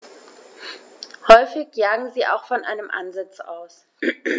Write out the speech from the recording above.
Häufig jagen sie auch von einem Ansitz aus.